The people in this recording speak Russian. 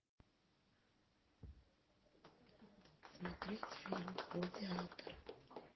смотреть фильм гладиатор